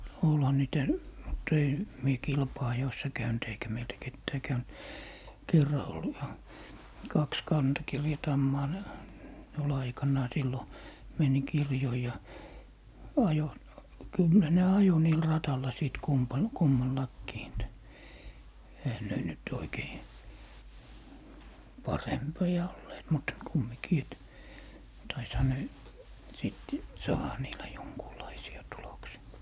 olihan niitä mutta ei minä kilpa-ajoissa käynyt eikä meiltä ketään käynyt kerran oli - kaksi kantakirjatammaa ne ne oli aikanaan silloin meni kirjoihin ja ajoi kyllä ne ajoi niillä radalla sitten - kummallakin että eihän ne nyt oikein parempia olleet mutta kumminkin että taisihan ne sitten saada niillä jonkunlaisia tuloksia